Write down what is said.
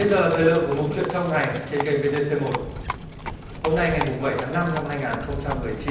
giờ là thời lượng của mục chuyện trong ngày trên kênh vê tê xê một hôm nay ngày mùng bảy tháng năm năm hai nghìn không trăm mười chín